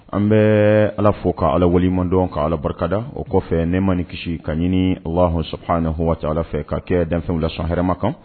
An bɛ ala fo ka ala waleɲumandɔn ka ala barikada o kɔfɛ ne ma nin kisi ka ɲini waahsɔ ni h ala fɛ ka kɛ danw la sɔn hɛrɛma kan